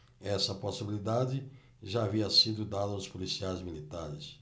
essa possibilidade já havia sido dada aos policiais militares